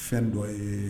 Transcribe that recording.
Fɛn dɔ ye